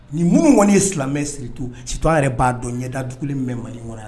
Nin munun kɔni ye silamɛ ye surtout an yɛrɛ ba dɔn ɲɛdatuguli mun bɛ Mali kɔnɔ ya.